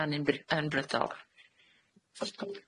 'Na ni'n br- yn brydol.